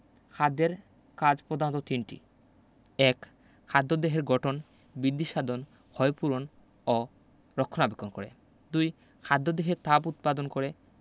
খাদ্যের কাজ প্রধানত তিনটি ১ খাদ্য দেহের গঠন বিদ্ধিসাধন ক্ষয়পূরণ ও রক্ষণাবেক্ষণ করে ২ খাদ্য দেহে তাপ উৎপাদন করে